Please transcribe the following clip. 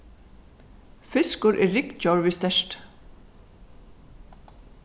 fiskur er ryggdjór við sterti